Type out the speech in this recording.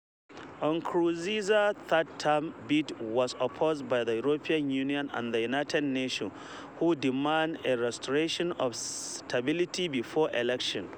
Nkurunziza’s third term bid was opposed by the European Union, and the United Nations, who demanded a restoration of stability before elections.